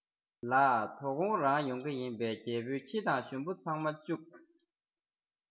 ལྰ དོ དགོང རང ཡོང གི ཡིན པས རྒྱལ པོས ཁྱི དང ཞུམ བུ ཚང མ བཅུག